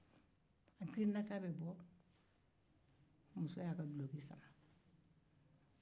a girinna k'a be bɔ muso y'a ka dulɔki sama